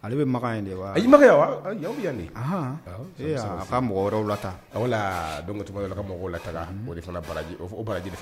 Ale bɛ makan in de wa ayi makɛ yanani a ka mɔgɔ wɛrɛ lata don tɔgɔ ka mɔgɔw la taga bara baraji